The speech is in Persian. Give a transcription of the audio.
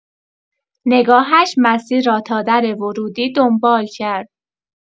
نگاهش مسیر را تا در ورودی دنبال کرد.